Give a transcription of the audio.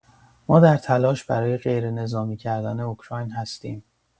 ما در تلاش برای غیرنظامی کردن اوکراین هستیم.